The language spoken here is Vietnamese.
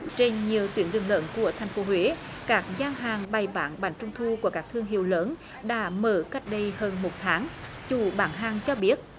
trên nhiều tuyến đường lớn của thành phố huế các gian hàng bày bán bánh trung thu của các thương hiệu lớn đã mở cách đây hơn một tháng chủ bán hàng cho biết